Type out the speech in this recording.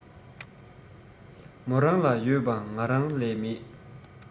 མོ རང ལ ཡོད པ ང རང ལས མེད